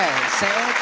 sẽ